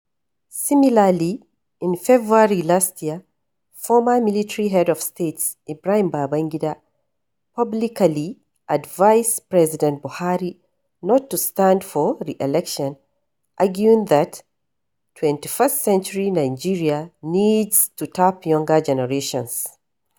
Similarly, in February last year, former military head of state Ibrahim Babangida publicly advised President Buhari not to stand for re-election, arguing that 21st century Nigeria needs to tap younger generations.